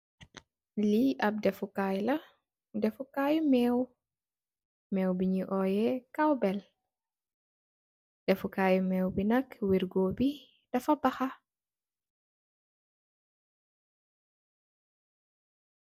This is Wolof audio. Li ap defukai la, defukai meew. Meew bi ñoy oyéé kawbell, defukai meew bi nak wirgo bi dafa baxa